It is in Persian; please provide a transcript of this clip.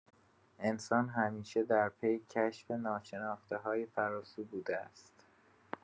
انسان همیشه در پی کشف ناشناخته‌های فراسو بوده است.